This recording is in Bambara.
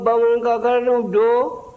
bamanankankalannaw don